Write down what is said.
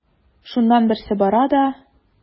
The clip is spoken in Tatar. Шуннан берсе бара да:.